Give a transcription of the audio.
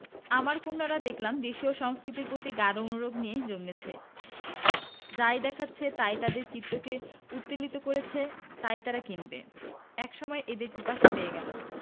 আমার কন্যারা দেখলাম দেশীয় সংস্কৃতির প্রতি গাঢ় অনুরাগ নিয়ে জন্মেছে যাই দেখাচ্ছে তাই তাদের চিত্তকে উদ্বেলিত করছে তাই তারা কিনবে এক সময় এদের পিপাসা পেয়ে গেল